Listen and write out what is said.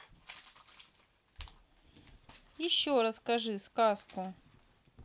еще расскажи сказку